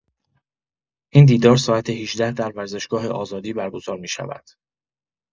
این دیدار ساعت ۱۸ در ورزشگاه آزادی برگزار می‌شود.